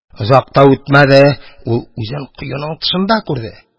Озак та үтмәде, ул үзен коеның тышында күрде.